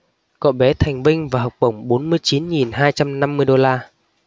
cậu bé thành vinh và học bổng bốn mươi chín nghìn hai trăm năm mươi đô la